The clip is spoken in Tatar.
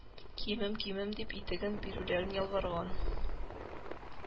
Кимем, кимем дип, итеген бирүләрен ялварган